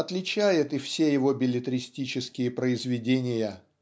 отличает и все его беллетристические произведения.